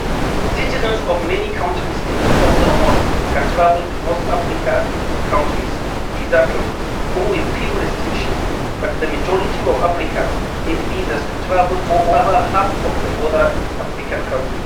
Citizens of many countries in the global North can travel to most Africa countries visa-free, or with few restrictions, but the majority of Africans need visas to travel to over half of the other African countries.